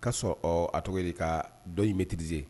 O kaa sɔrɔ a tɔgɔ de ka dɔ ineterizse